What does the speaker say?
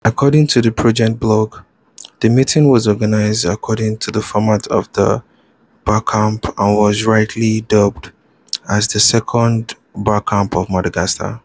According to the project blog the meeting was organized according to the format of a Barcamp and was rightly dubbed as the second Barcamp of Madagascar.